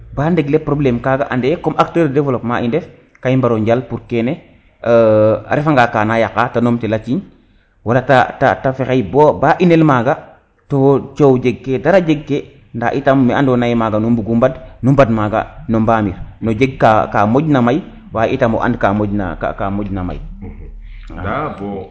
ba regler probleme kaga ande comme acteur de développement i ndef ka i mbaro njal pour kene a refa nga kana yaqa te num tela ciiy wala wala te fexey bo ba inel maga to coow jeg ke dara jeg ke nda itam ne ando naye maga nu mbugu mbad nu mbad maga no mbamir nu njeg ka moƴ na may waye itam ka moƴ ka moƴ na may